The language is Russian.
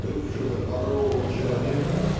бывшего дворового человека